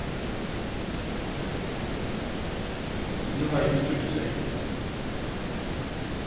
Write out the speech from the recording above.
so nú havi eg mist tríggjar seyðir